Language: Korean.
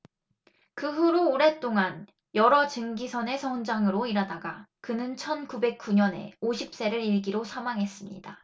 그 후로 오랫동안 여러 증기선의 선장으로 일하다가 그는 천 구백 구 년에 오십 세를 일기로 사망했습니다